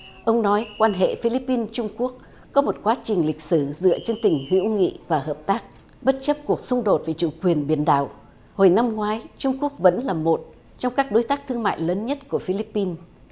ông nói quan hệ phi líp pin trung quốc có một quá trình lịch sử dựa trên tình hữu nghị và hợp tác bất chấp cuộc xung đột về chủ quyền biển đảo hồi năm ngoái trung quốc vẫn là một trong các đối tác thương mại lớn nhất của phi líp pin